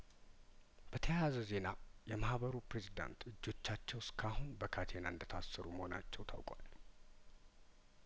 በተያያዘ ዜና የማህበሩ ፕሬዚዳንት እጆቻቸው እስከአሁን በካቴና እንደታሰሩ መሆናቸው ታውቋል